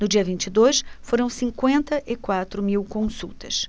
no dia vinte e dois foram cinquenta e quatro mil consultas